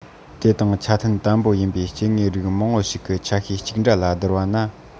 དེ དང ཆ མཐུན དམ པོ ཡིན པའི སྐྱེ དངོས རིགས མང པོ ཞིག གི ཆ ཤས གཅིག འདྲ ལ བསྡུར བ ན